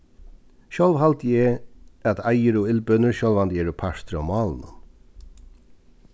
sjálv haldi eg at eiðir og illbønir sjálvandi eru partur av málinum